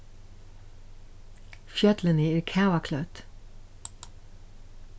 fjøllini eru kavaklødd